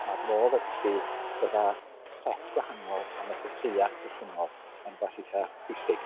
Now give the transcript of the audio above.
Mae'r modd o gallu dod â set gwahanol o negeseuau cychwynnol yn rywbeth eithaf pwysig.